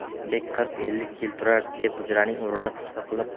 qosimbek qirq ellik yil turar deb hujraning